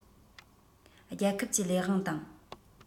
རྒྱལ ཁབ ཀྱི ལས དབང དང